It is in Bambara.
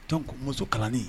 Tɔnon muso kalani